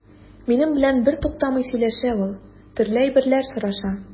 Минем белән бертуктамый сөйләшә ул, төрле әйберләр сораша.